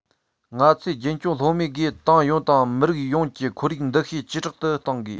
ང ཚོས རྒྱུན འཁྱོངས ལྷོད མེད སྒོས ཏང ཡོངས དང མི རིགས ཡོངས ཀྱི ཁོར ཡུག འདུ ཤེས ཇེ དྲག ཏུ བཏང དགོས